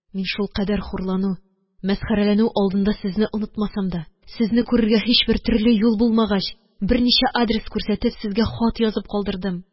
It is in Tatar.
Мин шулкадәр хурлану, мәсхәрәләнү алдында сезне онытмасам да, сезне күрергә һичбер төрле юл булмагач, берничә адрес күрсәтеп, сезгә хат язып калдырдым